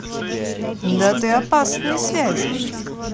да ты опасные связи